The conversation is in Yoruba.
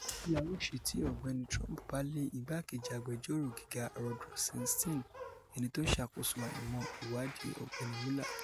Kí la ó ṣe tí Ọ̀gbẹ́ni Trump bá lé igbákejì Agbẹjọ́rò Gíga Rod Rosenstein, ẹni tó ń ṣàkóso àyànmọ́ Ìwádìí Ọ̀gbẹ́ni Mueller?